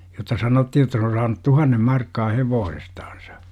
jotta sanottiin jotta se on saanut tuhannen markkaa hevosestansa